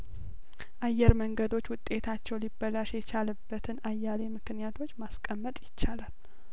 አየር መንገዶች ውጤታቸው ሊበላሽ የቻለበትን አያሌ ምክንያቶች ማስቀመጥ ይቻላል